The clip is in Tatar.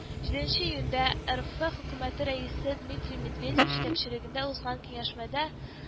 Жиденче июньдә эрфэ хөкүмәте рәисе дмитрий медведев җитәкчелегендә узган киңәшмәдә